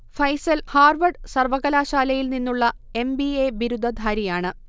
Faisal Harvard സർവകലാശാലയിൽ നിന്നുള്ള M. B. A. ബിരുദധാരിയാണ്